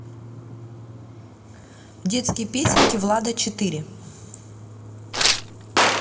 детские песенки влада четыре